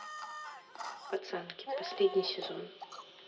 пацанки последний сезон